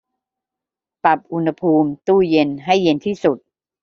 ปรับอุณหภูมิตู้เย็นให้เย็นที่สุด